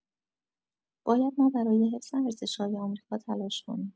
باید ما برای حفظ ارزش‌های آمریکا تلاش کنیم.